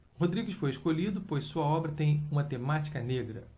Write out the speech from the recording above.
rodrigues foi escolhido pois sua obra tem uma temática negra